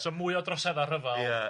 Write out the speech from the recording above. So mwy o drosedda' rhyfel... Ia.